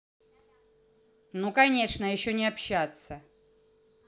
ну конечно еще не общаться